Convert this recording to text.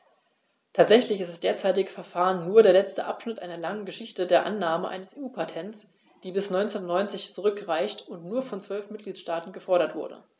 Tatsächlich ist das derzeitige Verfahren nur der letzte Abschnitt einer langen Geschichte der Annahme eines EU-Patents, die bis 1990 zurückreicht und nur von zwölf Mitgliedstaaten gefordert wurde.